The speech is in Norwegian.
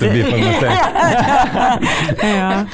ja.